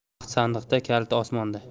baxt sandiqda kaliti osmonda